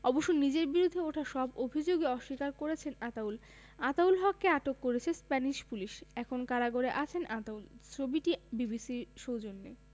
অবশ্য নিজের বিরুদ্ধে ওঠা সব অভিযোগই অস্বীকার করেছেন আতাউল আতাউল হককে আটক করেছে স্প্যানিশ পুলিশ এখন কারাগারে আছেন আতাউল ছবিটি বিবিসির সৌজন্যে